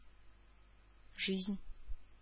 Жизнь